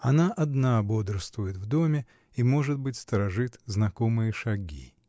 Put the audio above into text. Она одна бодрствует в доме и, может быть, сторожит знакомые шаги.